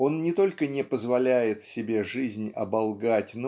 он не только не позволяет себе жизнь оболгать